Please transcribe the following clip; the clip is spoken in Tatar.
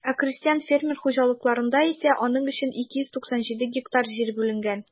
Ә крестьян-фермер хуҗалыкларында исә аның өчен 297 гектар җир бүленгән.